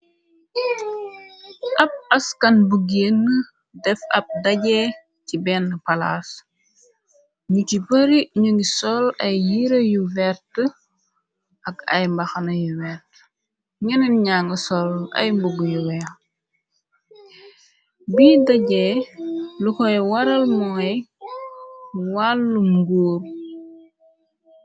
Ab askan bu genn def ab dajee ci benn palaas ñu ci bari ñu ngi sol ay yire yu wert ak ay mbaxana yu wert ngeneen ñang sol ay mbobu yu wee bi dajee lu koy waral mooy wàllu nguur.